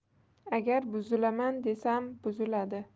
agar buzilaman desam buzuladi